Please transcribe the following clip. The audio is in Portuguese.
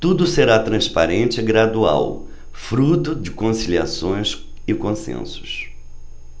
tudo será transparente e gradual fruto de conciliações e consensos